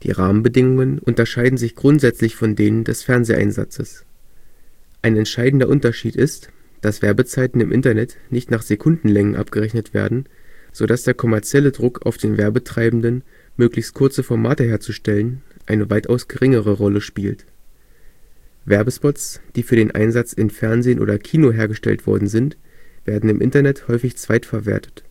Rahmenbedingungen unterscheiden sich grundsätzlich von denen des Fernseheinsatzes. Ein entscheidender Unterschied ist, dass Werbezeiten im Internet nicht nach Sekundenlängen abgerechnet werden, sodass der kommerzielle Druck auf den Werbetreibenden, möglichst kurze Formate herzustellen, eine weitaus geringere Rolle spielt. Werbespots die für den Einsatz in Fernsehen oder Kino hergestellt worden sind, werden im Internet häufig zweitverwertet